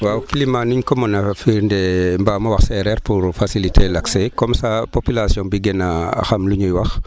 waaw climat ni ñu ko mën a firndee mbaa ma wax séeréer pour faciliter l' accès comme saa population bi gën a xam lu ñuy wax